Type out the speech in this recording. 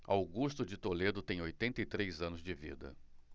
augusto de toledo tem oitenta e três anos de vida